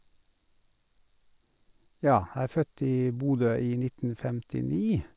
Ja, jeg er født i Bodø i nitten femtini.